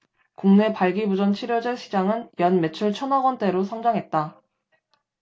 국내 발기부전치료제 시장은 연 매출 천 억원대로 성장했다